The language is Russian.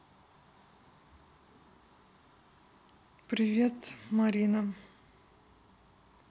привет марина